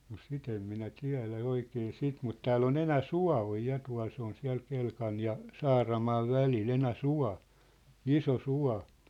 no sitä en minä tiedä oikein sitä mutta täällä on Enäsuo on ja tuolla se on siellä Kelkan ja Saaramaan välillä Enäsuo iso suo